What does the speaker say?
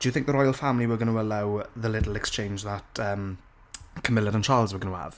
Do you think the Royal Family were going to allow, the little exchange that, um, Camilla and Charles were going to have?